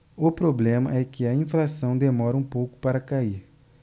o problema é que a inflação demora um pouco para cair